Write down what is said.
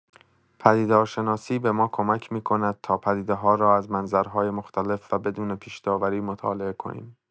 پدیدارشناسی به ما کمک می‌کند تا پدیده‌ها را از منظرهای مختلف و بدون پیش‌داوری مطالعه کنیم.